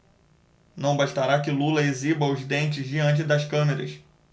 não bastará que lula exiba os dentes diante das câmeras